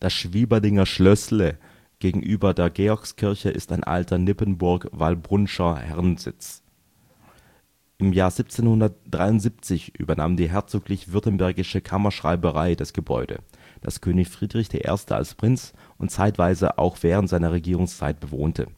Schwieberdinger Schlößle gegenüber der Georgskirche ist ein alter Nippenburg-Wallbrunnscher Herrensitz. Im Jahr 1773 übernahm die herzoglich württembergische Kammerschreiberei das Gebäude, das König Friedrich I. als Prinz und zeitweise auch während seiner Regierungszeit bewohnte